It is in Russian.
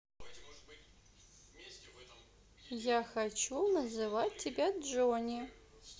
я хочу тебя называть джонни